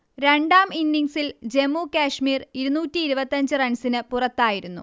രണ്ടാം ഇന്നിങ്സിൽ ജമ്മു കശ്മീർ ഇരുന്നൂറ്റി ഇരുവത്തഞ്ച് റൺസിന് പുറത്തായിരുന്നു